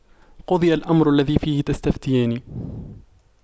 قُضِيَ الأَمرُ الَّذِي فِيهِ تَستَفِتيَانِ